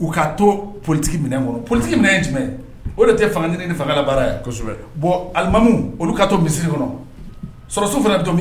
U kaa to politigi minɛ kɔnɔ politigi minɛ ye jumɛn o de tɛ fanga ni ni fangala baara ye kosɛbɛ bon alimamu olu ka to misi kɔnɔ sɔrɔ su fana dɔn o